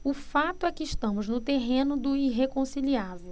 o fato é que estamos no terreno do irreconciliável